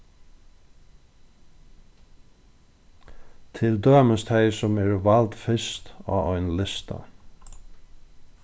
til dømis tey sum eru vald fyrst á einum lista